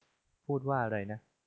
พูดว่าอะไรนะ